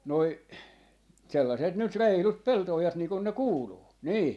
nuo sellaiset nyt reilut pelto-ojat niin kuin ne kuuluu niin